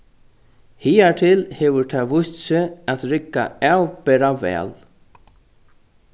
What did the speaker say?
higartil hevur tað víst seg at rigga avbera væl